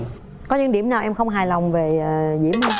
có những điểm nào em không hài lòng về diểm không